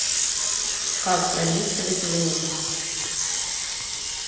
как пролистывать вниз